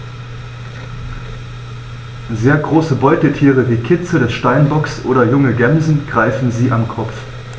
Sehr große Beutetiere wie Kitze des Steinbocks oder junge Gämsen greifen sie am Kopf.